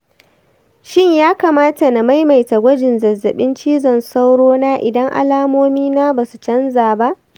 shin ya kamata na maimaita gwajin zazzabin cizon sauro na idan alamomina ba su canza ba